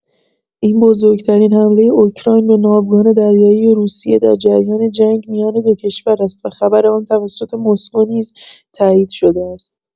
این بزرگ‌ترین حمله اوکراین به ناوگان دریایی روسیه در جریان جنگ میان دو کشور است و خبر آن توسط مسکو نیز تایید شده است.